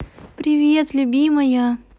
привет любимая